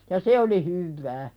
ja se oli hyvää